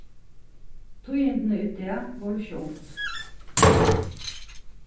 tíðindini í dag vóru skjót